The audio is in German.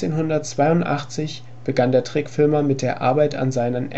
1982 begann der Trickfilmer mit der Arbeit an seinem